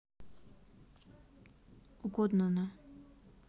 угодно на